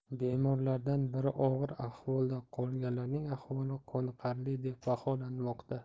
bemorlardan biri og'ir ahvolda qolganlarning ahvoli qoniqarli deb baholanmoqda